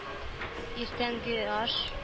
Иртәнге аш